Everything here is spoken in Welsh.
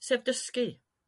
Sef dysgu.